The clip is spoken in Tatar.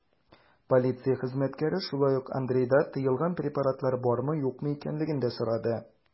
Полиция хезмәткәре шулай ук Андрейда тыелган препаратлар бармы-юкмы икәнлеген дә сорады.